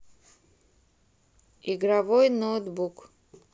игровой ноутбук